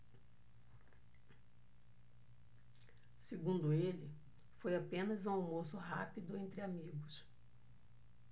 segundo ele foi apenas um almoço rápido entre amigos